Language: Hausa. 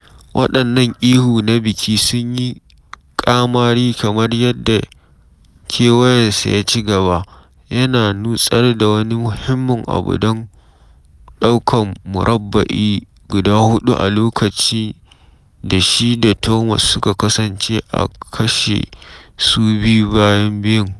Waɗannan ihu na biki sun yi kamari kamar yadda kewayansa ya ci gaba, yana nutsar da wani muhimmin abu don daukan murabba’i guda huɗu a lokacin da shi da Thomas suka kasance a kashe su biyu bayan biyun.